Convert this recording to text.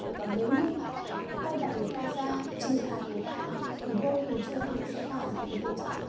còn nếu mà cô lập người ta ra trừng phạt người ta thì vô hình chung mình tạo ra cái tình trạng căng thẳng hơn